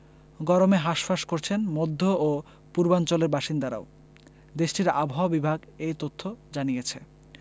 গরমে হাসফাঁস করছেন মধ্য ও পূর্বাঞ্চলের বাসিন্দারাও দেশটির আবহাওয়া বিভাগ এ তথ্য জানিয়েছে